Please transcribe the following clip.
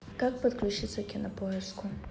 как подключиться к кинопоиску